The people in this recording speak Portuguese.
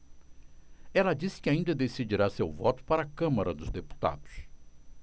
ela disse que ainda decidirá seu voto para a câmara dos deputados